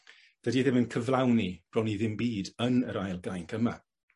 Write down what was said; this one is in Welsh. Dydi e ddim yn cyflawni bron i ddim byd yn yr ail gainc yma.